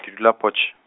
ke dula Potch.